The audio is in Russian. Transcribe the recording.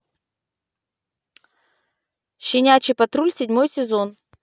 щенячий патруль седьмой сезон